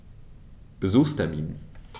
Besuchstermin